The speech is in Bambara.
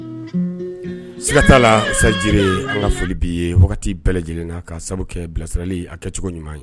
Siga t'a lasaji ye an ka foli bi ye wagati bɛɛ lajɛlen na ka sababu kɛ bilasirali a kɛ cogo ɲuman ye